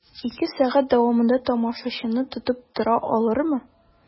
Ике сәгать дәвамында тамашачыны тотып тора алырмы?